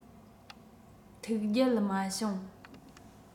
ཐུགས རྒྱལ མ བྱུང